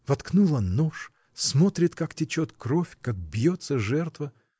Воткнула нож, смотрит, как течет кровь, как бьется жертва!